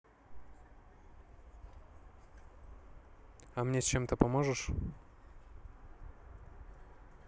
а мне с чем то поможешь